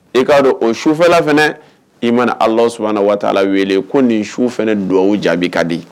I k'a dɔn o sufɛlaf i ma ala s waati ala wele ko nin su fana dugawu jaabi ka di